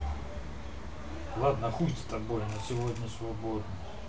ладно хуй с тобой на сегодня свободно